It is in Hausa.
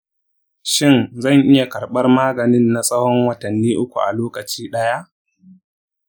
shin zan iya karɓar maganin na tsawon watanni uku a lokaci daya?